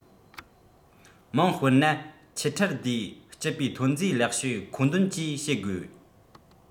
དམངས དཔེར ན ཁྱེར ཁྲལ བསྡུའི སྤྱི པའི ཐོན རྫས ལེགས ཤོས མཁོ འདོན ཅེས བཤད དགོས